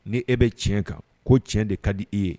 Ni e bɛ tiɲɛ kan ko tiɲɛ de ka di i ye